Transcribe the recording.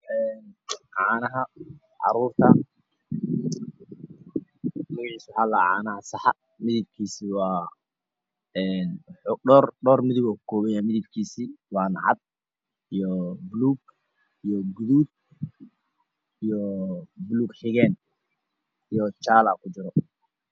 Canaha caruurta magaciisa waxaa ladhaha canaha saxa midapkiisu waa dhor midap puu kakooban yahay wana cad iyo paluug iyo gaduudiyo paluug xigeen jalana ku jiro